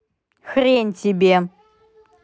хрень тебе